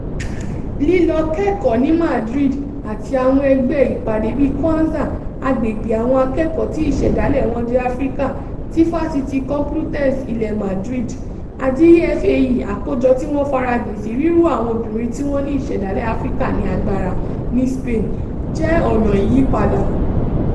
Lílọ kẹ́kọ̀ọ́ ní Madrid àti àwọn ẹgbẹ́ ìpàdé bíi Kwanzza [àgbègbè àwọn akẹ́kọ̀ọ́ tí ìṣẹ̀dálẹ̀ wọ́n jẹ́ Áfríkà ti Fásitì Complutense ilẹ̀ Madrid] àti E.F.A.E [àkójọ tí wọ́n f'ara jìn sí 'ríró àwọn obìnrin tí wọ́n ní ìṣẹ̀dálẹ̀ Áfríkà ní agbára' ní Spain] jẹ́ ọ̀nà ìyípadà.